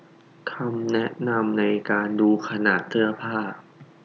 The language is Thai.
คำแนะนำในการดูขนาดเสื้อผ้า